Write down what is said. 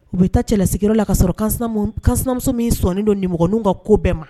U bɛ taa cɛlasigi la kaa sɔrɔ kanmu kanmuso min sɔɔni don nimin ka ko bɛɛ ma